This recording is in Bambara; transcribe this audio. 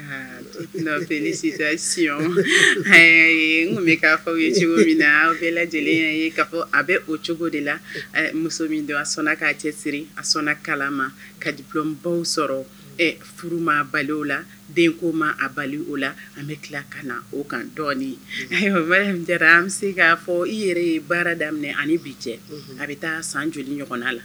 Aa sisan si k'a fɔ ye cogo min na a bɛɛ lajɛlen ye k'a fɔ a bɛ o cogo de la muso min don a sɔnna k'a cɛ siri a sɔnna kala ma ka dibaw sɔrɔ furu ma bali o la denko ma a bali o la an bɛ tila ka na o kan dɔɔnin an se k'a fɔ i yɛrɛ ye baara daminɛ ani bi jɛ a bɛ taa san joli ɲɔgɔn la